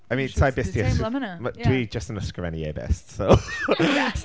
I mean sa i byth di... Dwi'm yn gwbod sut dwi'n teimlo am hynna.... Dwi jyst yn ysgrifennu ebyst, so.